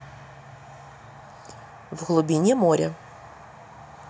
в глубине моря